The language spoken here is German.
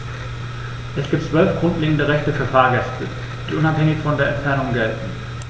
Es gibt 12 grundlegende Rechte für Fahrgäste, die unabhängig von der Entfernung gelten.